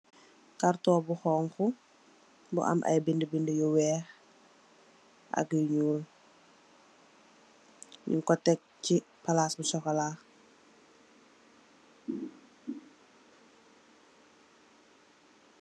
Karton bu xonxu, bu am ay binda binda yu weex, ak yu ñul. Nyunko tekk ci palas bu socola.